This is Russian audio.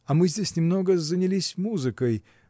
-- А мы здесь немного занялись музыкой